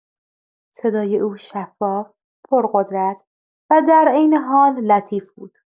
صدای او شفاف، پرقدرت و در عین حال لطیف بود.